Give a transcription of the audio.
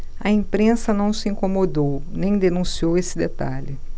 a imprensa não se incomodou nem denunciou esse detalhe